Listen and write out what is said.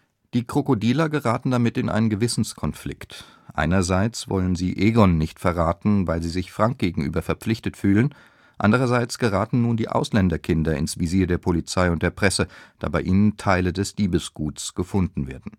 Die Krokodiler geraten damit in einen Gewissenskonflikt: Einerseits wollen sie Egon nicht verraten, weil sie sich Frank gegenüber verpflichtet fühlen, andererseits geraten nun die Ausländerkinder ins Visier der Polizei und der Presse, da bei ihnen Teile des Diebesgutes gefunden werden